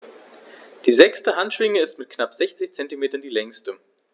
Die sechste Handschwinge ist mit knapp 60 cm die längste.